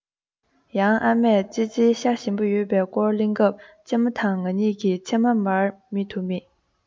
ཡང ཨ མས ཙི ཙིའི ཤ ཞིམ པོ ཡོད པའི སྐོར གླེང སྐབས གཅེན པོ དང ང གཉིས ཀྱིས མཆིལ མ བར མེད དུ མིད